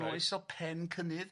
canol oesol, pen-cynydd.